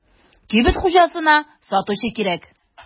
Кибет хуҗасына сатучы кирәк.